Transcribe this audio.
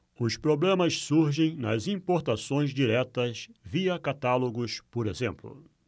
os problemas surgem nas importações diretas via catálogos por exemplo